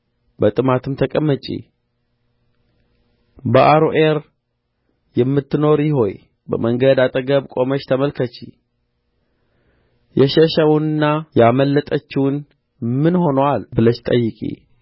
በጥማትም ተቀመጪ በአሮዔር የምትኖሪ ሆይ በመንገድ አጠገብ ቆመሽ ተመልከቺ የሸሸውንና ያመለጠችውን ምን ሆኖአል ብለሽ ጠይቂ